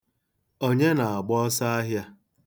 Onye na-agba ọsọahịa?